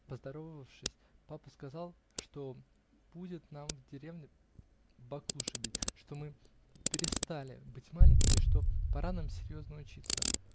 Поздоровавшись, папа сказал, что будет нам в деревне баклуши бить, что мы перестали быть маленькими и что пора нам серьезно учиться.